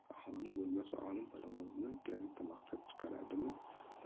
ohoni bo'lmasa olim parovozni gazeta maqtab chiqarmidi